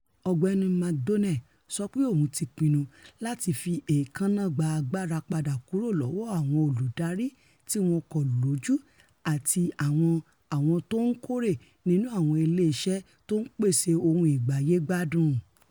Ọ̀gbẹ́ni McDonnell sọ pé òun ti pinnu làti fi èékánná gba agbára padà kuro lọ́wọ́ 'àwọn olùdari tíwọn kò lójú' àti àwọn 'àwọn tó ńkórè' nínú àwọn ilé isẹ́ tó ńpèsè ohun ìgbáyé-gbádùn.